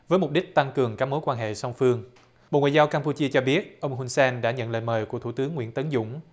với mục đích tăng cường các mối quan hệ song phương bộ ngoại giao cam pu chia cho biết ông hun sen đã nhận lời mời của thủ tướng nguyễn tấn dũng